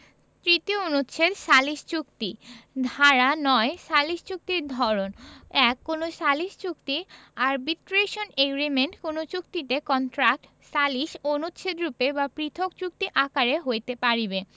তৃতীয় অনুচ্ছেদ সালিস চুক্তি ধারা ৯ সালিস চুক্তির ধরণঃ ১ কোন সালিস চুক্তি আরবিট্রেশন এগ্রিমেন্ট কোন চুক্তিতে কন্ট্রাক্ট সালিস অনুচ্ছেদরূপে বা পৃথক চুক্তি আকারে হইতে পারিবে